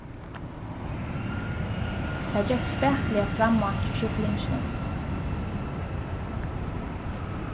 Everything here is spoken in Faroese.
tað gekk spakuliga framá hjá sjúklinginum